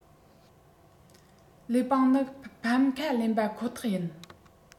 ལིའུ པང ནི ཕམ ཁ ལེན པ ཁོ ཐག ཡིན